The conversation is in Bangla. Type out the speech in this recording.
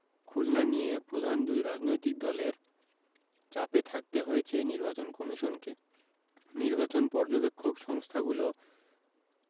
খুলনা নিয়ে প্রধান দুই রাজনৈতিক দলের চাপে থাকতে হয়েছে নির্বাচন কমিশনকে নির্বাচন পর্যবেক্ষক সংস্থাগুলো